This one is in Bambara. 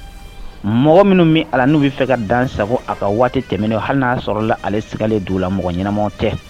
Mɔgɔ minnu min ala n'u bɛ fɛ ka dansago a ka waati tɛmɛnen na, hali n 'a sɔrɔla ale sigalen don u la mɔgɔ ɲɛnamaw tɛ!